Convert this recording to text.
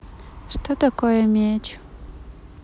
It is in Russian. что такое меч